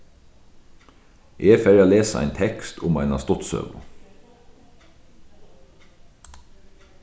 eg fari at lesa ein tekst um eina stuttsøgu